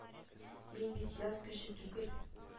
Мин бит ят кеше түгел